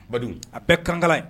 Ba a bɛɛ kankala ye